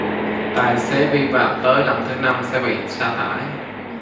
tài xế vi phạm tới lần thứ năm sẽ bị sa thải